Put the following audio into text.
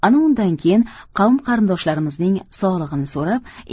ana undan keyin qavm qarindoshlarimizning sog'lig'ini so'rab